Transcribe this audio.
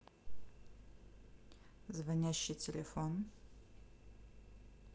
звонящий телефон